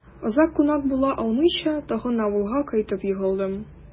Озак кунак була алмыйча, тагын авылга кайтып егылдым...